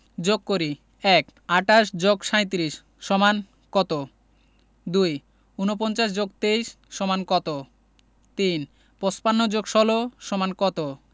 যোগ করিঃ ১ ২৮ + ৩৭ = কত ২ ৪৯ + ২৩ = কত ৩ ৫৫ + ১৬ = কত